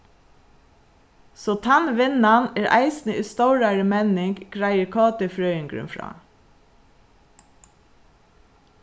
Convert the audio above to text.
so tann vinnan er eisini í stórari menning greiðir kt-frøðingurin frá